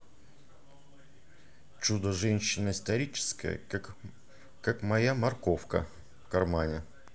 смотреть фильм чудо женщины исторический